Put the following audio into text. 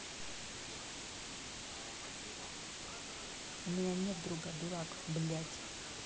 у меня нет друга дурак блядь